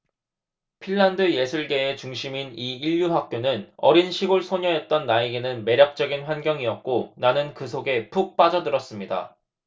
핀란드 예술계의 중심인 이 일류 학교는 어린 시골 소녀였던 나에게는 매력적인 환경이었고 나는 그 속에 푹 빠져 들었습니다